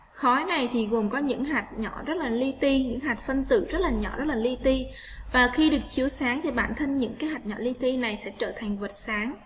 khối này thì gồm có những hạt nhỏ rất là li ti những hạt phân tử chất là nhỏ nhất là li ti khi được chiếu sáng thì bản thân những cái hạt nhỏ li ti này sẽ trở thành vật sáng